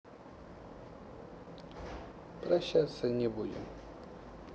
прощаться не будем